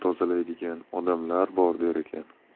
tozalaydigan odamlar bor der ekan